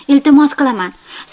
iltimos qilaman